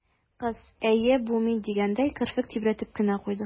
Кыз, «әйе, бу мин» дигәндәй, керфек тибрәтеп кенә куйды.